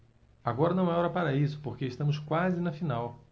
agora não é hora para isso porque estamos quase na final